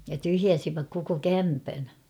ja tyhjäsivät koko kämpän